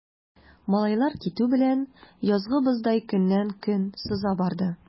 Малайлар китү белән, язгы боздай көннән-көн сыза барды.